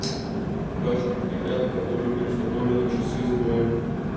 башня кремля на которых были установлены часы с боем